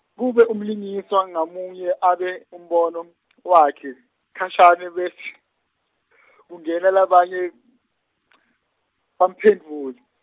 kube umlingiswa ngamunye abe, umbono wakhe khashane bese , kungena labanye , bamphendvule.